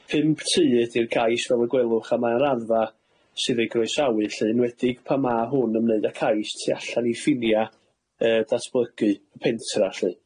Pump tŷ ydi'r cais fel y gwelwch, a mae ar raddfa sydd ei groesawu lly, yn enwedig pan ma' hwn ymwneud â cais tu allan i ffinia yy datblygu y pentra lly.